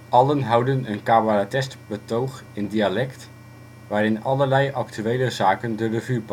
Allen houden een cabaretesk betoog in dialect, waarin allerlei actuele zaken de revue